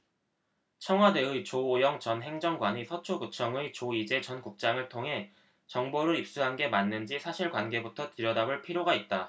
청와대의 조오영 전 행정관이 서초구청의 조이제 전 국장을 통해 정보를 입수한 게 맞는지 사실관계부터 들여다볼 필요가 있다